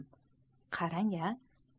qarang a